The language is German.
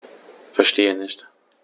Verstehe nicht.